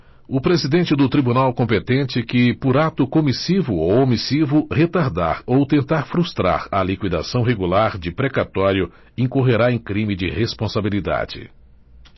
o presidente do tribunal competente que por ato comissivo ou omissivo retardar ou tentar frustrar a liquidação regular de precatório incorrerá em crime de responsabilidade